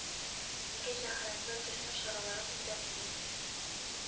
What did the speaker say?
Нигә җәһәннәмгә төшмәү чараларын эзләмибез